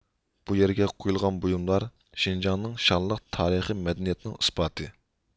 بۇ يەرگە قويۇلغان بويۇملار شىنجاڭنىڭ شانلىق تارىخى مەدەنىيىتىنىڭ ئىسپاتى